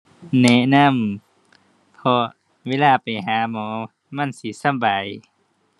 แนะนำ เพราะเวลาไปหาหมอมันสิสำบาย